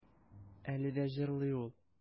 Әле дә җырлый ул.